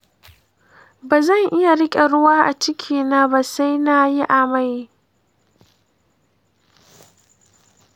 ba zan iya riƙe ruwa a cikina ba sai na yi amai.